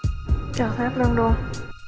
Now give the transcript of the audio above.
chọn tháp luân đôn